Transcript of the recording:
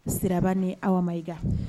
Siraba ni aw ma iiga